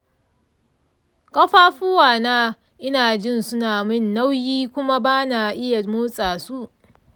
kafafuwa na inajin sunamun nauyi kuma bana iya motsa su.